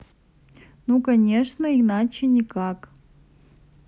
ну конечно иначе никак